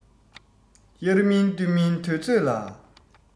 དབྱར མིན སྟོན མིན དུས ཚོད ལ